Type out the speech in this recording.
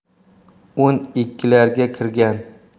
o'n ikkilarda kirgan